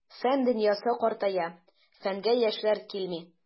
Фән дөньясы картая, фәнгә яшьләр килми.